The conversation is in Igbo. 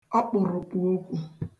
̀ọkpụ̀rụ̀kpụ̀ okwu